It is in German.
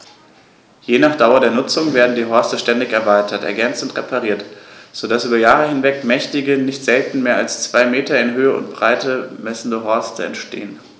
Je nach Dauer der Nutzung werden die Horste ständig erweitert, ergänzt und repariert, so dass über Jahre hinweg mächtige, nicht selten mehr als zwei Meter in Höhe und Breite messende Horste entstehen.